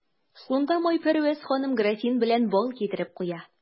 Шунда Майпәрвәз ханым графин белән бал китереп куя.